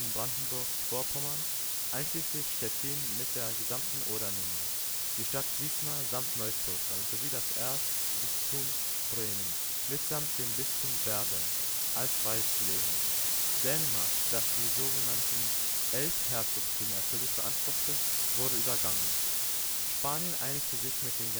Brandenburgs Vorpommern, einschließlich Stettin mit der gesamten Odermündung, die Stadt Wismar samt Neukloster sowie das Erzbistum Bremen mitsamt dem Bistum Verden als Reichslehen. Dänemark, das die so genannten Elbherzogtümer für sich beanspruchte, wurde übergangen. Spanien einigte sich mit den